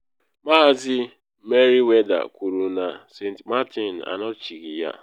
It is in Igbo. Maazị Merriweather kwuru na St. Martin anọchighi ya.